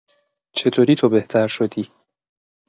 چطوری تو بهتر شدی